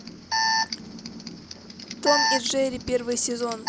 том и джерри первый сезон